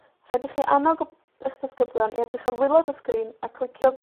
rhaid i chi annog 'y-, 'ych disgyblion i edrych ar wilod y sgrin, a clicio